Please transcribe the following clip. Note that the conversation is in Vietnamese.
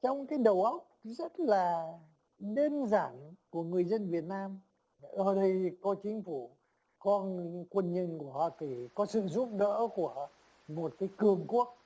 trong cái đó rất là đơn giản của người dân việt nam ở đây có chính phủ có quân nhân của hoa kỳ có sự giúp đỡ của một cái cường quốc